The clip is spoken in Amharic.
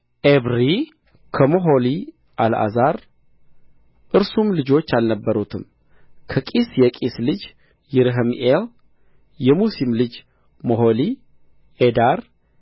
ዔብሪ ከሞሖሊ አልዓዛር እርሱም ልጆች አልነበሩት ከቂስ የቂስ ልጅ ይረሕምኤል የሙሲም ልጆች ሞሖሊ ዔዳር